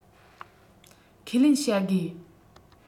ཁས ལེན བྱ དགོས